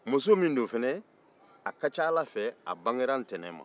muso min don fana a ka ca ala fɛ a bangera ntɛnɛn ma